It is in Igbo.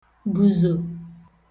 gùzo